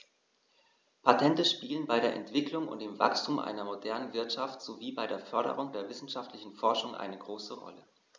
Patente spielen bei der Entwicklung und dem Wachstum einer modernen Wirtschaft sowie bei der Förderung der wissenschaftlichen Forschung eine große Rolle.